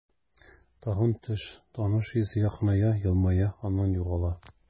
Тагын төш, таныш йөз якыная, елмая, аннан югала.